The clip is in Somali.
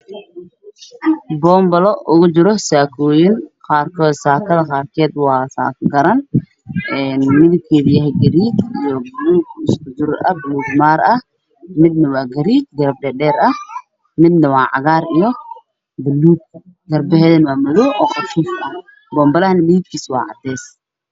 Waa boonbalooyin waxaa kujiro saakooyin qaarna waa saako garan ah midabkeedu waa gaduud, buluug maari ah, garee, cagaar iyo buluug, garbaheeda waa madow, boonbaluhu waa cadaan.